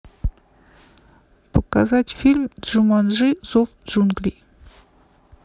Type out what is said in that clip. показать фильм джуманджи зов джунглей